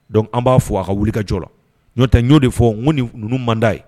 Donc an b'a fo a hakili wulikajɔ la n'o n y'o de fɔ n ko ni ninnu mand'a ye